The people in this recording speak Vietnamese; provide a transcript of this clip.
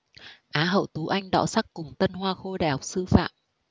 á hậu tú anh đọ sắc cùng tân hoa khôi đại học sư phạm